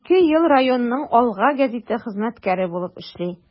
Ике ел районның “Алга” гәзите хезмәткәре булып эшли.